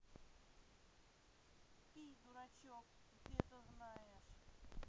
pi дурачок и ты это знаешь